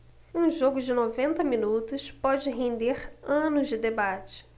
um jogo de noventa minutos pode render anos de debate